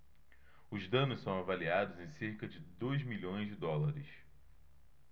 os danos são avaliados em cerca de dois milhões de dólares